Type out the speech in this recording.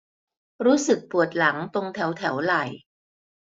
รู้สึกปวดหลังตรงแถวแถวไหล่